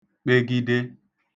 kpegide